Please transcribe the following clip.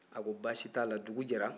a ko basi t'ala dugu jɛra